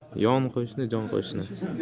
yon qo'shni jon qo'shni